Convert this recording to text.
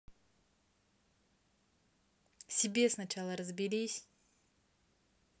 себе сначала разберись